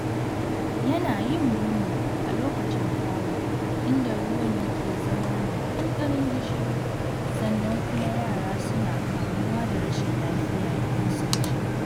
Yana yin muni a lokacin fari; inda ruwan yake zama mai ɗanɗanon gishiri, sannan kuma yara suna kamuwa da rashin lafiya idan suka sha.